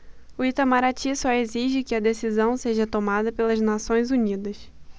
o itamaraty só exige que a decisão seja tomada pelas nações unidas